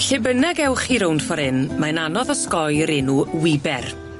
Lle bynnag ewch chi rownd ffor 'yn mae'n anodd osgoi'r enw wiber.